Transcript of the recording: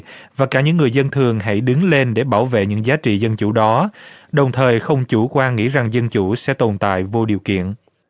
và cả những người dân thường hãy đứng lên để bảo vệ những giá trị dân chủ đó đồng thời không chủ quan nghĩ rằng dân chủ sẽ tồn tại vô điều kiện